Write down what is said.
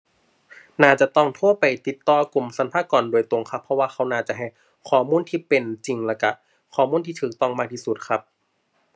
น่าจะต้องโทรไปติดต่อกรมสรรพากรโดยตรงครับ เพราะว่าเขาน่าจะให้ข้อมูลที่เป็นจริงแล้วก็ข้อมูลที่ก็ต้องมากที่สุดครับ